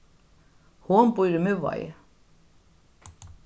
hon býr í miðvági